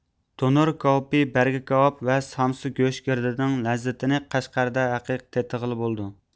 تونۇر كاۋىپى بەرگ كاۋاپ ۋە سامسا گۆشگىردىنىڭ لەززىتىنى قەشقەردە ھەقىقىي تېتىغىلى بولىدۇ